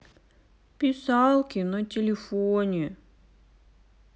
писалки на телефоне